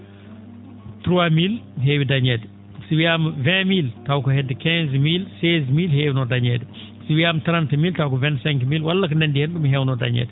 trois mille heewi dañeede so wiyaama vingt mille taw ko hedde quinze mille seize mille heewnoo dañeede so wiyama trente mille taw ko vingt cinq mille walla ko nanndi heen ?uum heewnoo dañeede